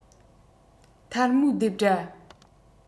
ཐལ མོའི རྡེབ སྒྲ